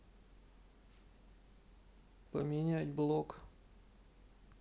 поменять блок